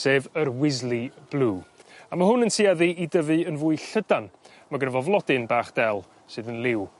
sef yr wisley blue a ma' hwn yn tueddi i dyfu yn fwy llydan ma' gynno fo flodyn bach del sydd yn liw